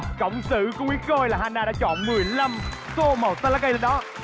cộng sự của nguyên khôi là han na đã chọn mười lăm tô màu xanh lá cây lên đó